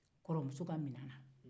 kɔrɔmuso ka mina na